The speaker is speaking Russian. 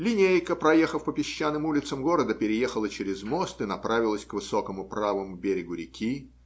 Линейка, проехав по песчаным улицам города, переехала через мост и направилась к высокому правому берегу реки.